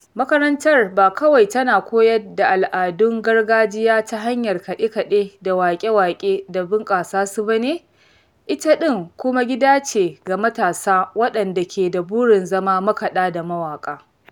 Makarantar ba kawai tana koyar da al'adun gargajiya ta hanyar kaɗe-kaɗe da waƙe-waƙe da bunƙasa su bane, ita ɗin kuma gida ce ga matasa waɗanda ke da burin zama makaɗa da mawaƙa .